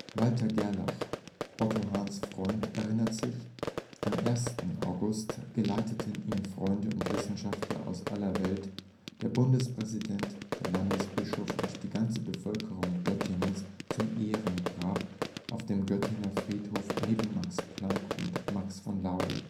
Walther Gerlach, Otto Hahns Freund, erinnert sich: „ Am 1. August geleiteten ihn Freunde und Wissenschaftler aus aller Welt, der Bundespräsident, der Landesbischof und die ganze Bevölkerung Göttingens zum Ehrengrab auf dem Göttinger Friedhof neben Max Planck und Max von Laue